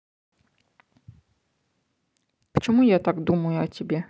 почему я так думаю о тебе